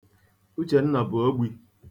Uchenna bụ ogbi.